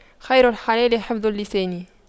خير الخلال حفظ اللسان